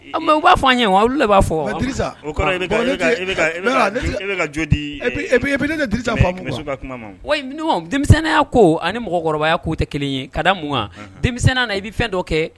U b'a fɔ a ɲɛ wa olu b'a fɔ nesa denmisɛnninya ko ani mɔgɔkɔrɔba'o tɛ kelen ye ka da mun dɛ na i bɛ fɛn dɔ kɛ